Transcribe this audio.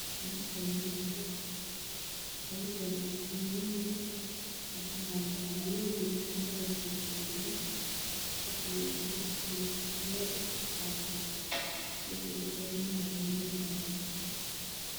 Meeshaani waa meel Waxa yaalo kalarkisa yahay qaxwi cadays wuxu saaran yahay